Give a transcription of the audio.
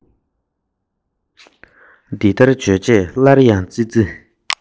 འདི ལྟར བརྗོད རྗེས སླར ཡང ཙི ཙི